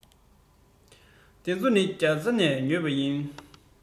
འདི ཚོ ནི རྒྱ ཚ ནས ཉོས པ ཡིན